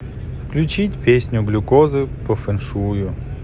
включить песню глюкозы по фен шую